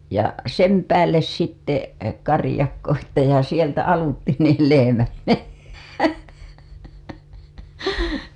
ja sen päälle sitten karjakko sitten ja sieltä aluitse niin lehmät mennä